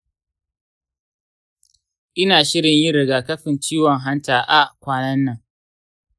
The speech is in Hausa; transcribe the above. ina shirin yin rigakafin ciwon hanta a kwanan nan